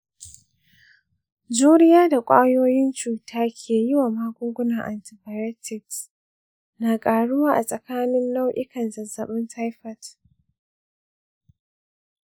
juriya da kwayoyin cuta ke yi wa magungunan antibiotics na ƙaruwa a tsakanin nau'ikan zazzabin taifot.